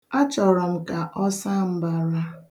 Achọrọ m ka ọ saa mbara